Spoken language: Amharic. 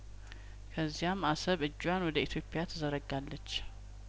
ከዚያም አሰብ እጇን ወደ ኢትዮጵያት ዘረጋለች